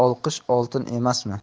ol olqish oltin emasmi